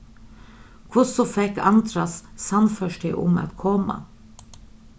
hvussu fekk andras sannført teg um at koma